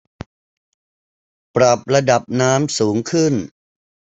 ปรับระดับน้ำสูงขึ้น